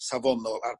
safonol ar